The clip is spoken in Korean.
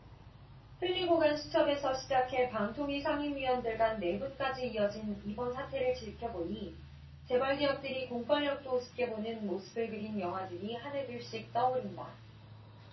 흘리고간 수첩에서 시작해 방통위 상임위원들 간 내분까지 이어진 이번 사태를 지켜보니 재벌 기업들이 공권력도 우습게 보는 모습을 그린 영화들이 하나둘씩 떠오른다